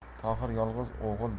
tohir yolg'iz o'g'il